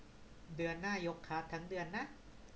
เดือนหน้ายกคลาสทั้งเดือนนะ